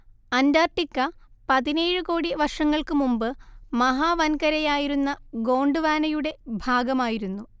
Antarctica പതിനേഴ് കോടി വർഷങ്ങൾക്ക് മുമ്പ് മഹാ‌‌വൻകരയായിരുന്ന ഗോണ്ട്വാനയുടെ ഭാഗമായിരുന്നു